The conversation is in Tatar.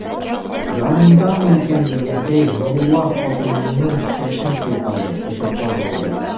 Янымдамы икән дигәндәй, Нурулла хатынының чәчен сыйпады, кочаклап алды.